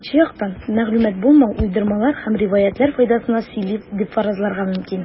Икенче яктан, мәгълүмат булмау уйдырмалар һәм риваятьләр файдасына сөйли дип фаразларга мөмкин.